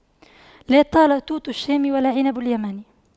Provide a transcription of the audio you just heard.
لا طال توت الشام ولا عنب اليمن